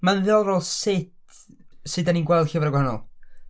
Mae'n ddiddorol sut sut dan ni'n gweld llyfrau gwahanol.